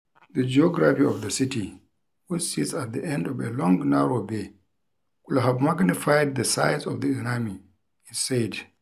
The geography of the city, which sits at the end of a long, narrow bay, could have magnified the size of the tsunami, it said.